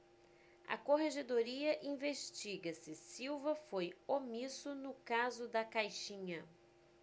a corregedoria investiga se silva foi omisso no caso da caixinha